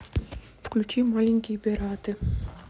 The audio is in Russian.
включи маленькие пираты